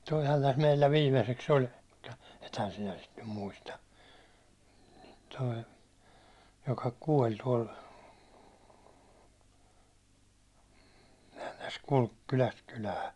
tuohan tässä meillä viimeiseksi oli mutta ethän sinä sitä nyt muista tuo joka kuoli tuolla sehän tässä kulki kylästä kylään